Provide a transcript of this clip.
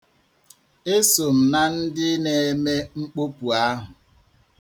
E so m na ndị na-eme mkpopu ahụ.